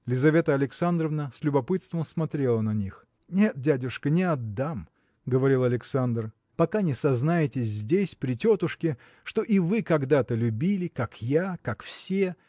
Лизавета Александровна с любопытством смотрела на них. – Нет дядюшка не отдам – говорил Александр – пока не сознаетесь здесь при тетушке что и вы когда-то любили как я как все.